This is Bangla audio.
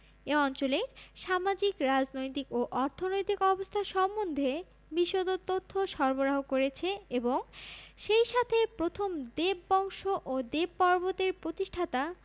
এ অঞ্চলের সামাজিক রাজনৈতিক ও অর্থনৈতিক অবস্থা সম্বন্ধে বিশদ তথ্য সরবরাহ করেছে এবং সেই সাথে প্রথম দেব বংশ ও দেবপর্বত এর প্রতিষ্ঠাতা